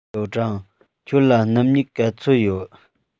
ཞའོ ཀྲང ཁྱོད ལ སྣུམ སྨྱུག ག ཚོད ཡོད